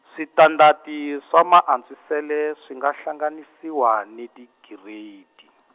switandati swa Maantswisele swi nga hlanganisiwa ni tigiredi .